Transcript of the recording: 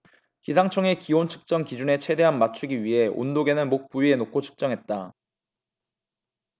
기상청의 기온 측정 기준에 최대한 맞추기 위해 온도계는 목 부위에 놓고 측정했다